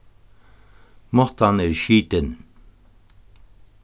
mottan er skitin